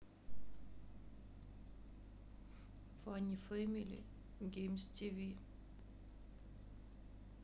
фанни фемели геймс тиви